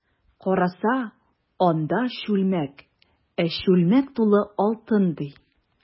Караса, анда— чүлмәк, ә чүлмәк тулы алтын, ди.